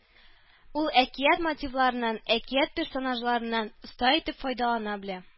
Ул әкият мотивларыннан, әкият персонажларыннан оста итеп файдалана белә